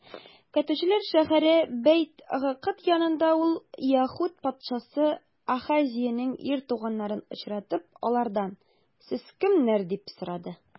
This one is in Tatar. Көтүчеләр шәһәре Бәйт-Гыкыд янында ул, Яһүдә патшасы Ахазеянең ир туганнарын очратып, алардан: сез кемнәр? - дип сорады.